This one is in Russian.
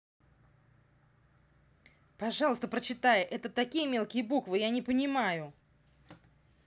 пожалуйста прочитай это такие маленькие буквы я не понимаю